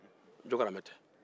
jɔkɔrɔmɛ tɛ